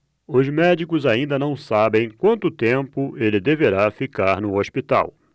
os médicos ainda não sabem quanto tempo ele deverá ficar no hospital